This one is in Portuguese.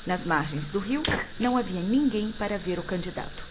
nas margens do rio não havia ninguém para ver o candidato